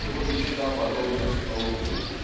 его мечта подобна столбу)